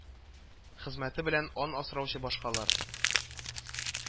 Хезмәте белән ан асраучы башкалар